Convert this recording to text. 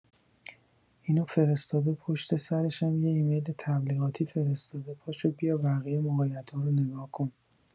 اینو فرستاده پشت سرشم یه ایمیل تبلیغاتی فرستاده پاشو بیا بقیه موقعیتا رو نگاه کن!